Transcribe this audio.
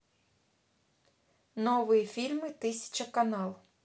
новые фильмы тысяча канал